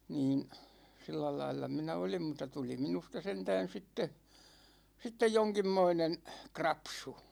niin sillä lailla minä olin mutta tuli minusta sentään sitten sitten jonkinmoinen krapsu